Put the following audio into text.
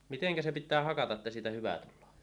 miten se pitää hakata että siitä hyvä tulee